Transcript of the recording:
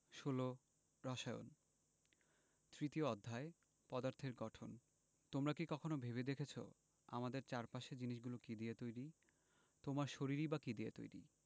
১৬ রসায়ন তৃতীয় অধ্যায় পদার্থের গঠন তোমরা কি কখনো ভেবে দেখেছ আমাদের চারপাশের জিনিসগুলো কী দিয়ে তৈরি তোমার শরীরই বা কী দিয়ে তৈরি